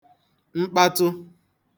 mkpatụ